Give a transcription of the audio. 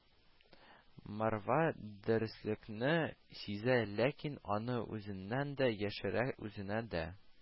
Марва дөреслекне сизә, ләкин аны үзеннән дә яшерә, үзенә дә